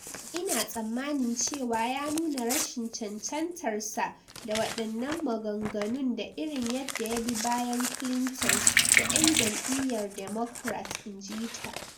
"Ina tsammanin cewa ya nuna rashin cancantar sa da wadannan maganganun da irin yadda ya bi bayan Clintons da yan jam’iyyar Democrat," in ji ta.